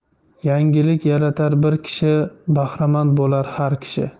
yangilik yaratar bir kishi bahramand bo'lar har kishi